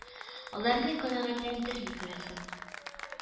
Аларны канәгатьләндерми күрәсең